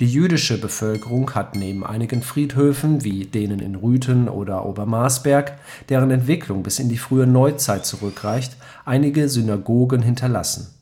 jüdische Bevölkerung hat neben einigen Friedhöfen, wie denen in Rüthen oder Obermarsberg, deren Entwicklung bis in die frühe Neuzeit zurückreicht, einige Synagogen hinterlassen